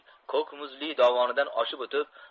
ko'k muzli dovonidan oshib o'tib